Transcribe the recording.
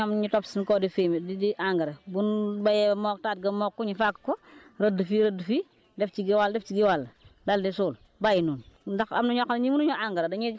léegi ñun ñu yor gopp yi di béy ñoom ñu topp suñ kaw di fumier di engrais bun béyee *** ma wax ko ñu fàq ko rëdd fii rëdd fii def ci gii wàll def ci gii wàll daal di suul bàyyi noonu